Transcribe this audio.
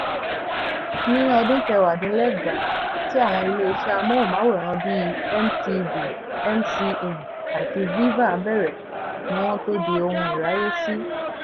Ní ọdún 1990 tí àwọn ilé-iṣẹ́ amóhùnmáwòrán bíi MTV, MCM àti VIVA bẹ̀rẹ̀ ni wọ́n tó di ohun ìráyé sí.